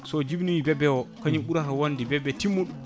so jibinoyi bébé kañamu ɓurata wonde bébé timmuɗo